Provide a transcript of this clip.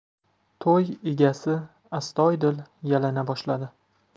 to'y egasi astoydil yalina boshladi